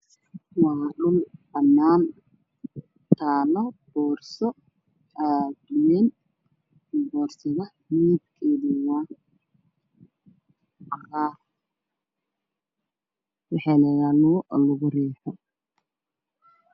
Waa dhul banan talo boorso cagmin borsad midbkedu waa cagar waxey ledahay lugo lakurixa